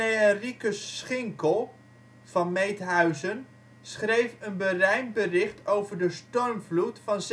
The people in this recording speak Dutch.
Henricus Schinckel van Meedhuizen schreef een berijmd bericht over de stormvloed van